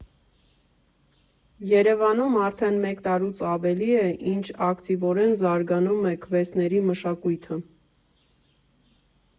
Երևանում արդեն մեկ տարուց ավելի է, ինչ ակտիվորեն զարգանում է քվեսթերի մշակույթը։